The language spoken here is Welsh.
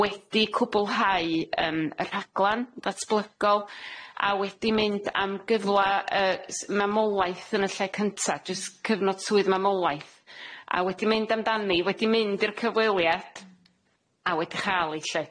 Wedi cwbwlhau yym y rhaglan ddatblygol a wedi mynd am gyfla yy s- mamolaeth yn y lle cynta jys cyfnod swydd mamolaeth a wedi mynd amdani wedi mynd i'r cyfweliad a wedi chal i lly.